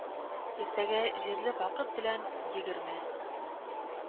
Иртәгә җирле вакыт белән егерме